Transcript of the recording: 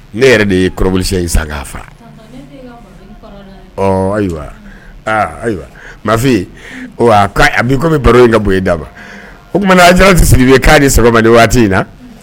Ne yɛrɛ de ye kɔrɔolisi in sa'a faa ayiwa ayiwa mafin bii bɛ baro in ka bon da ma o tumaumana tɛ siribi k'a ni saba waati in na